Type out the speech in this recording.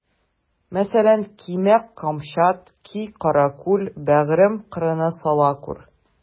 Мәсәлән: Кимә камчат, ки каракүл, бәгърем, кырын сала күр.